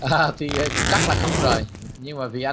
thì chắc là không rồi nhưng mà vì